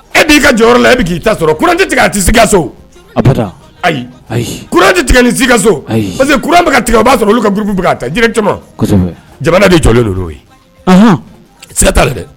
E b'i ka jɔ yɔrɔ la, e b'i k' i ta sɔrɔ courant tɛ tigɛ a si ka so, abada, ayi, courant tɛ tigɛ ni si ka so, ayi parce que courant bɛ ka tigɛ a b'a sɔrɔ olu ka groupe bɛ ka ta directement kosɛbɛ jamana de jɔlen'o ye, anhan siga t'a la dɛ